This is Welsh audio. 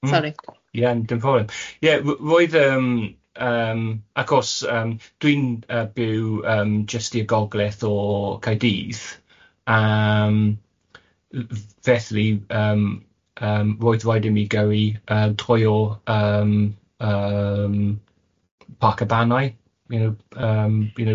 Sori. Iawn dim problem ie r- roedd yym yym achos yym dwi'n yy byw yym jyst i'r Gogledd o Caerdydd yym felly yym yym roedd raid i mi gyry yy toy o yym yym Parc y Banau you know yym you know,